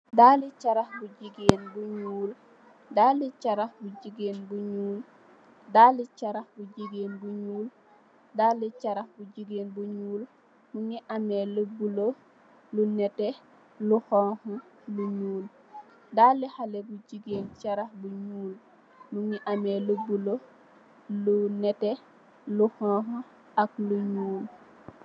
Daali carax bu jigéen bu ñuul, Daali carax bu jigéen ñuul, Daali carax bu jigéen ñuul bu am lu buloo, lu nétté, lu xoñgu, lu ñuul. Daali xalé bu jigéen carax bu ñuul, mu ngi am lu buloo, lu nétté, xoñga ak lu ñuul.